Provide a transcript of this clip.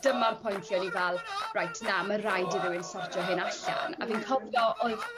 dyma'r point lle o'n i fel reit na ma' raid i rywun sortio hyn allan a fi'n cofio o'dd